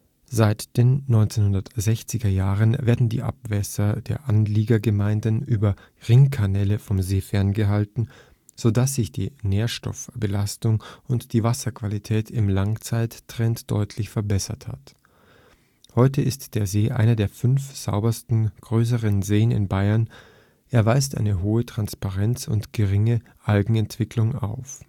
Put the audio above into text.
Seit den 1960er Jahren werden die Abwässer der Anliegergemeinden über Ringkanäle vom See ferngehalten, so dass sich die Nährstoffbelastung und die Wasserqualität im Langzeittrend deutlich verbessert hat. Heute ist der See einer der fünf saubersten größeren Seen in Bayern, er weist eine hohe Transparenz und geringe Algenentwicklung auf